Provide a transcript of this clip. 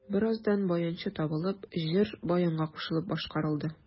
Бераздан баянчы табылып, җыр баянга кушылып башкарылды.